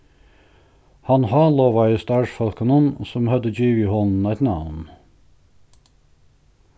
hann hálovaði starvsfólkunum sum høvdu givið honum eitt navn